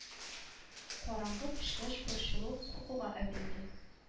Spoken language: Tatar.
Караңгы төшкәч борчылу куркуга әверелде